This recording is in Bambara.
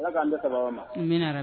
Ala k' an bɛ saba ma